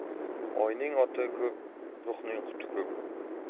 oyning oti ko'p ruhning quti ko'p